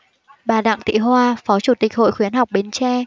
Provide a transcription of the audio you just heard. bà đặng thị hoa phó chủ tịch hội khuyến học bến tre